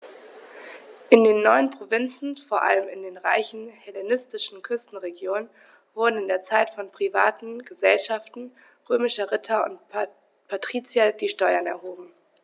In den neuen Provinzen, vor allem in den reichen hellenistischen Küstenregionen, wurden in dieser Zeit von privaten „Gesellschaften“ römischer Ritter und Patrizier die Steuern erhoben.